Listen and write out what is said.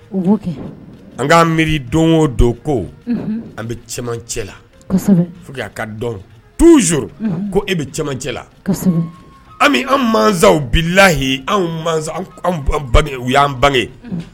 An k'an miiri don o don ko an bɛ cɛ la fo' ka dɔn tu ko e bɛ cɛ la anw bilayi anw u y'an bange